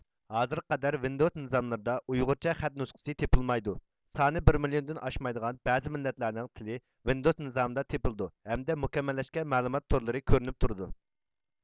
ھازىرغا قەدەر ۋىندوۋۇس نىزاملىرىدا ئۇيغۇرچە خەت نۇسخىسى تېپىلمايدۇ سانى بىر مىليوندىن ئاشمايدىغان بەزى مىللەتلەرنىڭ تىلى ۋىندوۋۇس نىزامىدا تېپىلىدۇ ھەمدە مۇكەممەللەشكەن مەلۇمات تورلىرى كۆرۈنۈپ تۇرىدۇ